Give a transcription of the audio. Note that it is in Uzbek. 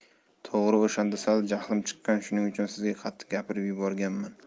to'g'ri o'shanda sal jahlim chiqqan shuning uchun sizga qattiq gapirib yuborganman